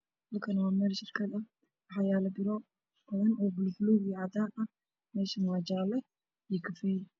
Halkaan waa meel shirkad ah waxaa yaalo biro badan oo buluug iyo cadaan ah, meesha waa jaale iyo kafay.